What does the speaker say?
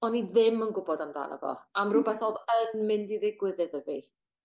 o'n i ddim yn gwbod amdano fo, am rwbeth o'dd yn mynd i ddigwydd iddo fi.